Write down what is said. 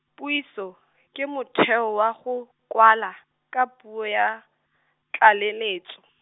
puiso, ke motheo wa go, kwala, ka puo ya, tlaleletso.